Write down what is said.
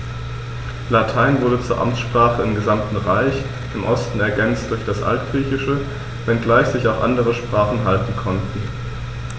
Latein wurde zur Amtssprache im gesamten Reich (im Osten ergänzt durch das Altgriechische), wenngleich sich auch andere Sprachen halten konnten.